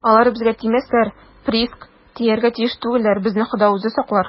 - алар безгә тимәсләр, приск, тияргә тиеш түгелләр, безне хода үзе саклар.